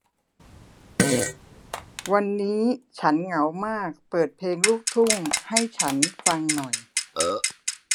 วันนี้ฉันเหงามากเปิดเพลงลูกทุ่งให้ฉันฟังหน่อย